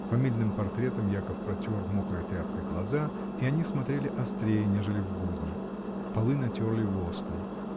фамильным портретам Яков протер мокрой тряпкой глаза — и они смотрели острее, нежели в будни. Полы натерли воском.